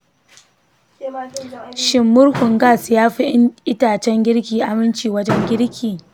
shin murhun gas ya fi itacen girki aminci wajen girki?